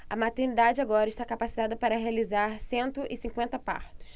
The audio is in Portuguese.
a maternidade agora está capacitada para realizar cento e cinquenta partos